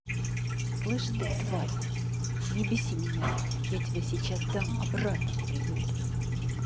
слышь ты тварь не беси меня я тебя сейчас дам обратно в приют